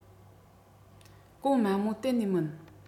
གོང དམའ མོ གཏན ནས མིན